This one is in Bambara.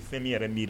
Fɛn yɛrɛ mi